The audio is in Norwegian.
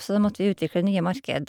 Så da måtte vi utvikle nye marked.